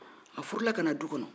a furula kana du kɔnɔ